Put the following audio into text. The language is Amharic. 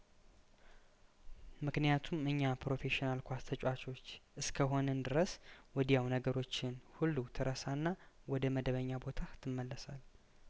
ምክንያቱም እኛ ፕሮፌሽናል ኳስ ተጫዋቾች እስከሆንን ድረስ ወዲያው ነገሮችን ሁሉ ትረሳና ወደ መደበኛ ቦታህ ትመለሳለህ